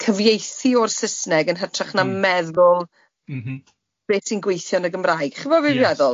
cyfieithu o'r Sesneg yn hytrach na meddwl... M-hm. ...beth sy'n gweithio yn y Gymraeg, chi'n gwybod be fi'n meddwl? Ie.